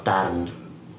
Darn.